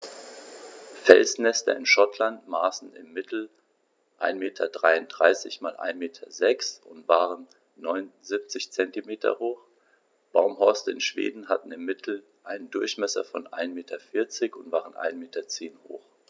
Felsnester in Schottland maßen im Mittel 1,33 m x 1,06 m und waren 0,79 m hoch, Baumhorste in Schweden hatten im Mittel einen Durchmesser von 1,4 m und waren 1,1 m hoch.